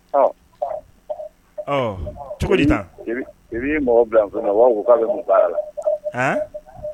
Cogo i' mɔgɔ bila waga k'a bɛ mun baara la